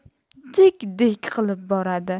dik dik qilib boradi